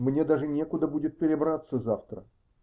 Мне даже некуда будет перебраться завтра.